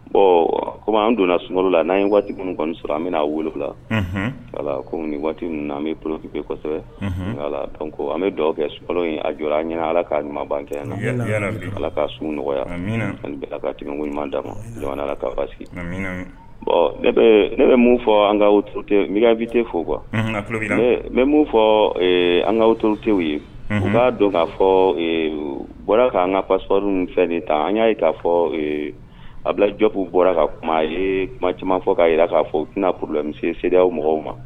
Bon kɔmi an donna sumaworo la n'a waati minnu kɔni sɔrɔ an bɛna'a wolowula ko waati ninnu na an bɛ ploki pe kosɛbɛ an bɛ dɔw kɛ sumaworo a jɔ an ɲɛna ala k kaa ɲuman ban na ala ka sun nɔgɔya ka tɛmɛ ko ɲuman da ma'fa bɔn ne bɛ min fɔ an kate minbite fo kuwa fɔ an kaaw torote ye u b'a dɔn k'a fɔ bɔra k'an kafassɔr fɛn nin ta an y'a ye'a fɔjɔp bɔra ka kuma ye kuma caman fɔ k'a jira k'a fɔ' kurula se seya mɔgɔw ma